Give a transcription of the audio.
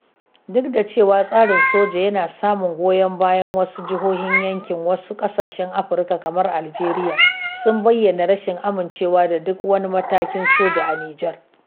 Duk da cewa tsarin soja yana samun goyon bayan wasu jihohin yankin, wasu ƙasashen Afirka, kamar Algeria, sun bayyana rashin amincewa da duk wani matakin soja a Nijar.